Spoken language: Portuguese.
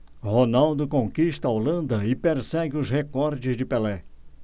ronaldo conquista a holanda e persegue os recordes de pelé